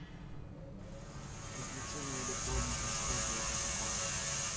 приключения электроника это что же такое